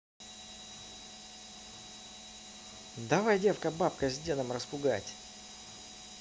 давай девка бабка с дедом распугать